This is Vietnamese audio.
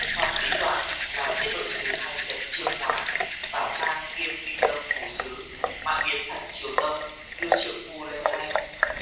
phong lý toàn làm tiết độ sứ hai trấn chương hóa bảo khang kiêm kinh đông phủ sứ bãi miễn thạch triều tông đưa triệu phu lên thay